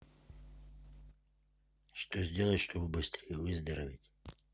что делать чтобы побыстрее выздоровить